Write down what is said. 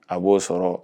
A b'o sɔrɔ